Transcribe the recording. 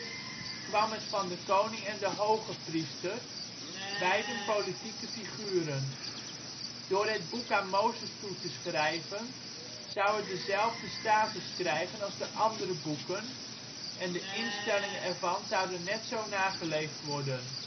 kwam het van de koning en de hogepriester, beiden politieke figuren. Door het boek aan Mozes toe te schrijven zou het dezelfde status krijgen als de andere boeken en de instellingen ervan zouden net zo nageleefd worden